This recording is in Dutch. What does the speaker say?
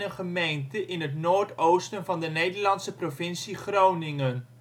gemeente in het noordoosten van de Nederlandse provincie Groningen